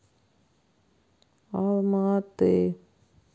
алма аты